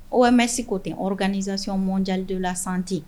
Omɛ se ko ten kanizsion mɔn ja de la sante